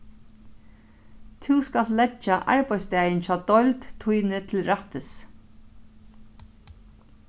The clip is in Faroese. tú skalt leggja arbeiðsdagin hjá deild tíni til rættis